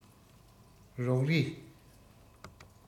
རོགས རེས